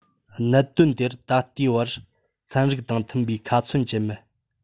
གནད དོན དེར ད ལྟའི བར ཚན རིག དང མཐུན པའི ཁ ཚོན བཅད མེད